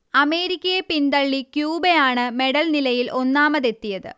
അമേരിക്കയെ പിന്തള്ളി ക്യൂബയാണ് മെഡൽനിലയിൽ ഒന്നാമതെത്തിയത്